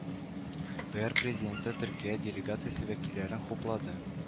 Тр президенты төркия делегациясе вәкилләрен хуплады